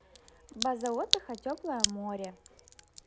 база отдыха теплое море